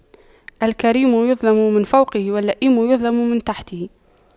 الكريم يظلم من فوقه واللئيم يظلم من تحته